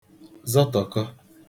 zọtọ̀kọ